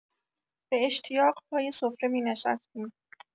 به اشتیاق پای سفره می‌نشستیم.